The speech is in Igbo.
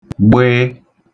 gbịị